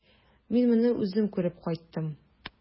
Мин моны үзем күреп кайттым.